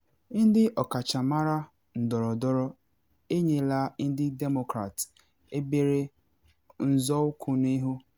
Ndị ọkachamara ndọrọndọrọ enyela ndị Demọkrats obere nzọụkwụ n’ihu.